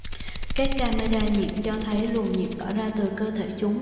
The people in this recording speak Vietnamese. các camera nhiệt cho thấy luồng nhiệt tỏa ra từ cơ thể chúng